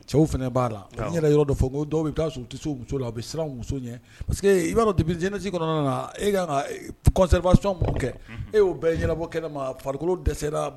Cɛw fana b'a la , n yɛrɛ ye yɔrɔ dɔ fɔ n ko dɔ bɛ yen i bi taa sɔrɔ u tɛ se u muso la , u bɛ siran u muso ɲɛn parce que inb'a don dépuis Jeunesse kɔnɔna la e ka kan ka conservation _min kɛ e y'o bɛɛ bɔ kɛnɛma farikolo dɛsɛ la